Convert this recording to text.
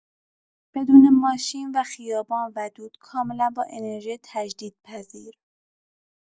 بدون ماشین و خیابان و دود، کاملا با انرژی تجدیدپذیر